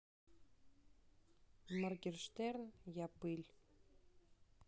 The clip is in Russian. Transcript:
моргенштерн я пыль